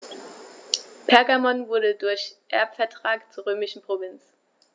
Pergamon wurde durch Erbvertrag zur römischen Provinz.